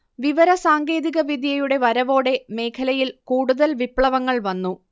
വിവരസാങ്കേതികവിദ്യയുടെ വരവോടെ മേഖലയിൽ കൂടുതൽ വിപ്ലവങ്ങൾ വന്നു